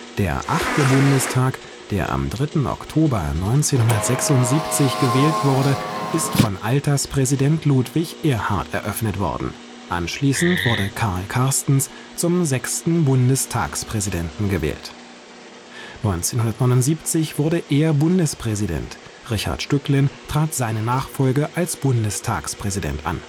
Der achte Bundestag, der am 3. Oktober 1976 gewählt wurde, wurde von Alterspräsident Ludwig Erhard eröffnet, anschließend wurde Karl Carstens zum sechsten Bundestagspräsidenten gewählt. Er wurde nach der Wahl des deutschen Bundespräsidenten 1979 fünfter Bundespräsident, Richard Stücklen trat seine Nachfolge als Bundestagspräsident an